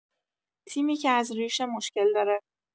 تیمی که از ریشه مشکل داره